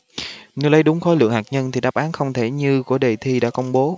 nếu lấy đúng khối lượng hạt nhân thì đáp án không thể như của đề thi đã công bố